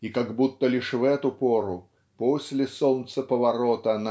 и как будто лишь в эту пору после солнцеповорота